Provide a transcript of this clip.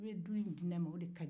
n'i ye du in di ne man o de kaɲi